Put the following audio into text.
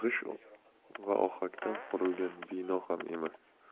g'isht va ohakdan qurilgan bino ham emas